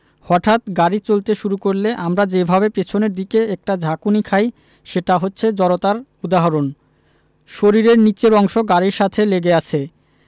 হঠাৎ গাড়ি চলতে শুরু করলে আমরা যেভাবে পেছনের দিকে একটা ঝাঁকুনি খাই সেটা হচ্ছে জড়তার উদাহরণ শরীরের নিচের অংশ গাড়ির সাথে লেগে আছে